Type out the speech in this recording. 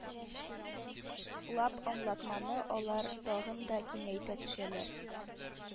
Лап, «аңлатма»ны алар тагын да киңәйтә төшәләр